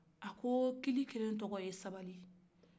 a ko kili kkelen tɔgɔ ye sabali ye